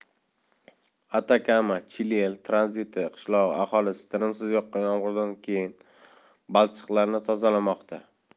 atakama chiliel tranziti qishlog'i aholisi tinimsiz yoqqan yomg'irlardan keyin balchiqlarni tozalamoqda